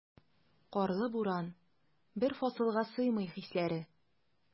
Карлы буран, бер фасылга сыймый хисләре.